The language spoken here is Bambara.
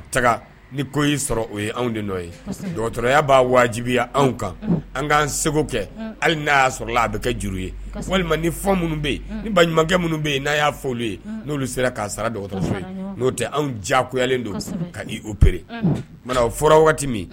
Ni ko anw ye dɔgɔtɔrɔya b'a wajibiya anw kan an'an segu kɛ hali n'a y'a sɔrɔ a bɛ kɛ juru ye fɔ walima ni fɔ minnu bɛ yen balima ɲumankɛ minnu bɛ yen n'a y' fɔ ye n'olu sera k'a saratɔ n'o tɛ anw diyayalen don ka upre o fɔra waati min